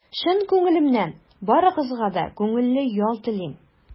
Чын күңелемнән барыгызга да күңелле ял телим!